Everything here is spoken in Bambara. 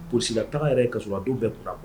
Psila taga yɛrɛ ye kasɔrɔ a dɔw bɛɛ kunna